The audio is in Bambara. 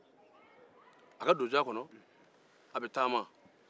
a bɛ taama a ka donsoya kɔnɔ